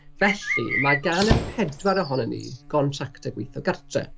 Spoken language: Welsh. Felly, mae gan y pedwar ohonyn ni gontractau gweithio gartre.